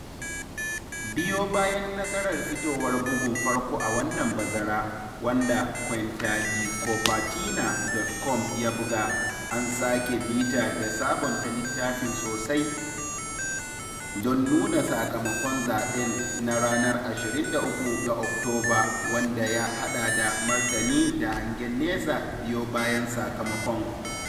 Biyo bayan nasarar fitowar bugun farko a wannan bazara, wanda quintadicopertina.com ya buga, an sake bita da sabunta littafin sosai don nuna sakamakon zaɓen na ranar 23 ga Oktoba, wanda ya haɗa da martani da hangen nesa biyo bayan sakamakon.